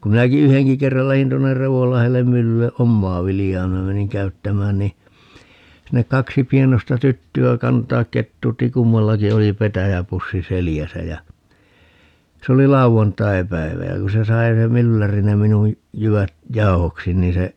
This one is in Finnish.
kun minäkin yhdenkin kerran lähdin tuonne Revonlahdelle myllylle omaa viljaa minä menin käyttämään niin sinne kaksi pienoista tyttöä kantaa ketuutti kummallakin oli petäjäpussi selässä ja se oli lauantaipäivä ja kun se sai se mylläri ne minun jyvät jauhoksi niin se